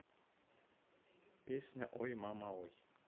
песня ой мама ой